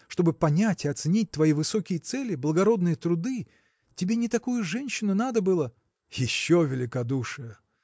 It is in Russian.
чтобы понять и оценить твои высокие цели благородные труды. Тебе не такую женщину надо было. – Еще великодушие!